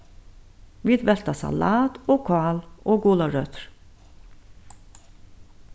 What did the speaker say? vit velta salat og kál og gularøtur